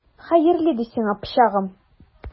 Хәерле ди сиңа, пычагым!